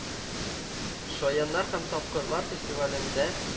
“шаяннар һәм тапкырлар” фестивалендә